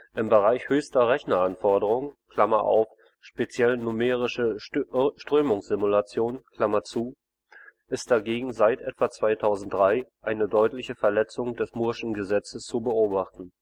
Im Bereich höchster Rechneranforderungen (speziell: numerische Strömungssimulation) ist dagegen seit etwa 2003 eine deutliche Verletzung des mooreschen Gesetzes zu beobachten